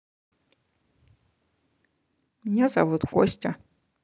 меня зовут костя